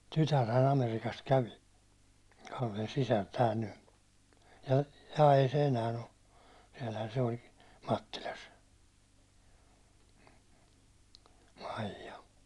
tytärhän Amerikasta kävi Kallen sisar täällä nyt ja ei se enää ole siellähän se oli Mattilassa Maija